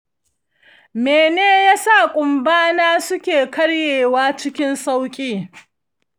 mene yasa ƙunba na suke karyewa cikin sauƙi?